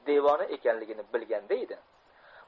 devona ekanligini bilgandaydi